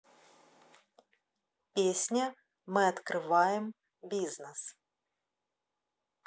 песня мы открываем бизнес